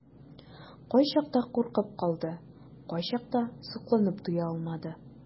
Кайчакта куркып калды, кайчакта сокланып туя алмады.